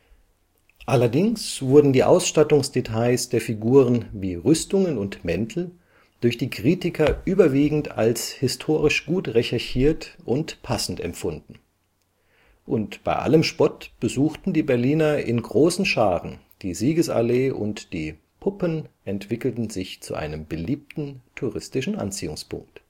Allerdings wurden die Ausstattungsdetails der Figuren wie Rüstungen und Mäntel durch die Kritiker überwiegend als historisch gut recherchiert und passend empfunden. Und bei allem Spott besuchten die Berliner in großen Scharen die Siegesallee und die Puppen entwickelte sich zu einem beliebten touristischen Anziehungspunkt